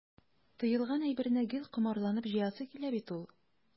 Тыелган әйберне гел комарланып җыясы килә бит ул.